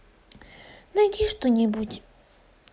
найди что нибудь